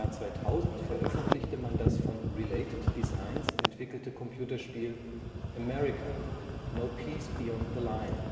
2000 veröffentlichte man das von Related Designs entwickelte Computerspiel America: No Peace Beyond the Line